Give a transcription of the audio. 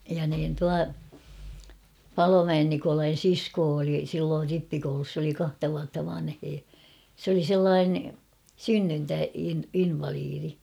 ja niin tuo Palomäen Nikolain sisko oli silloin rippikoulussa se oli kahta vuotta vanhempi se oli sellainen -- synnyntäinvalidi